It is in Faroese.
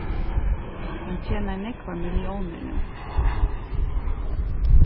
hann tjenar nógvar milliónir nú